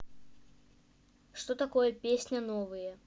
что такое песня новые